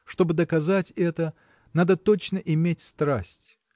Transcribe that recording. Чтоб доказать это, надо точно иметь страсть.